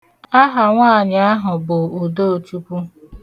Aha nwaanyị ahụ bụ Udochukwu.